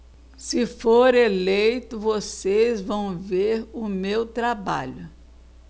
se for eleito vocês vão ver o meu trabalho